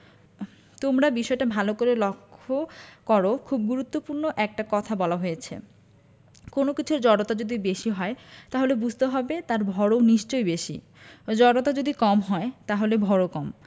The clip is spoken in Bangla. তোমরা বিষয়টা ভালো করে লক্ষ করো খুব গুরুত্বপূর্ণ একটা কথা বলা হয়েছে কোনো কিছুর জড়তা যদি বেশি হয় তাহলে বুঝতে হবে তার ভরও নিশ্চয়ই বেশি জড়তা যদি কম হয় তাহলে ভরও কম